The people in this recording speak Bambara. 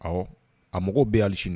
Ɔ a mago bɛɛ hali sini na